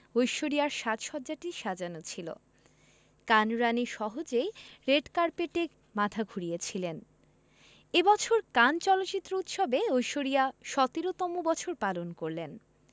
ঐশ্বরিয়ার সাজ সজ্জাটি সাজানো ছিল কান রাণী সহজেই রেড কার্পেটে মাথা ঘুরিয়েছিলেন এ বছর কান চলচ্চিত্র উৎসবে ঐশ্বরিয়া ১৭তম বছর পালন করলেন